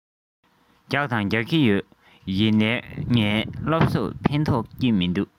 རྒྱག དང རྒྱག གི ཡོད ཡིན ནའི ངའི སློབ གསོས ཕན ཐོགས ཀྱི མི འདུག